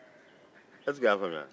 i y'a faamuya wa